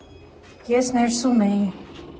Ես ներսում էի։